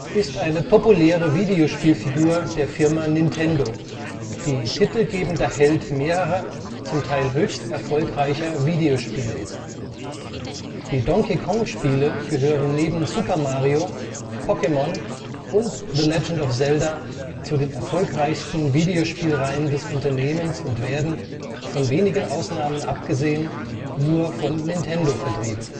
ist eine populäre Videospielfigur der Firma Nintendo, die titelgebender Held mehrerer, zum Teil höchst erfolgreicher Videospiele ist. Die Donkey-Kong-Spiele gehören neben Super Mario, Pokémon und The Legend of Zelda zu den erfolgreichsten Videospielreihen des Unternehmens und werden – von wenigen Ausnahmen abgesehen – nur von Nintendo vertrieben